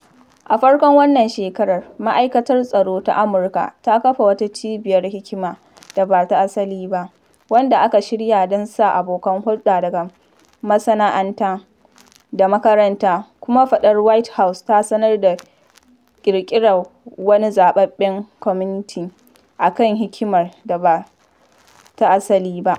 A farkon wannan shekarar Ma’aikatar Tsaro ta Amurka ta kafa wata Cibiyar Hikimar Da Ba Ta Asali Ba, wanda aka shirya don ta sa abokan hulɗa daga masana’anta da makaranta, kuma fadar White House ta sanar da ƙirƙirar wani Zaɓaɓɓen Kwamiti a kan Hikimar da ba ta asali ba.